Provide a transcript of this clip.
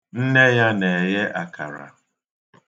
Nne ya na-eghe akara.